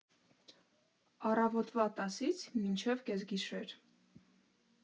Առավոտվա տասից մինչև կեսգիշեր։